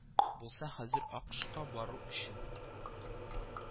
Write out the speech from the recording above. Булса, хәзер акэшка бару өчен